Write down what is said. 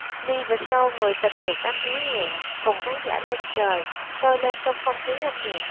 live show người tình được anh hứa hẹn cùng khán giả lên trời sôi lên trong không khí âm nhạc